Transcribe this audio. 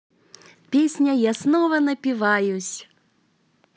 песня я снова напиваюсь